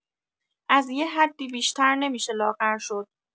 از یه حدی بیشتر نمی‌شه لاغر شد.